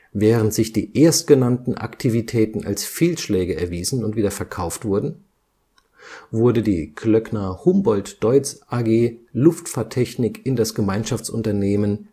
Während sich die erstgenannten Aktivitäten als Fehlschläge erwiesen und wieder verkauft wurden, wurde die KHD Luftfahrttechnik in das Gemeinschaftsunternehmen